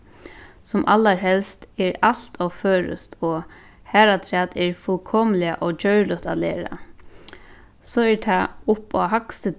sum allarhelst er alt ov føroyskt og harafturat er fullkomiliga ógjørligt at læra so er tað upp á hægstu